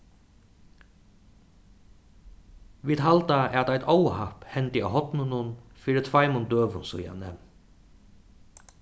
vit halda at eitt óhapp hendi á horninum fyri tveimum døgum síðani